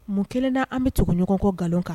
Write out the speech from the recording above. Mun kelen na an bɛ tuguɲɔgɔn kɔ nkalon kan